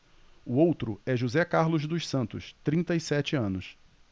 o outro é josé carlos dos santos trinta e sete anos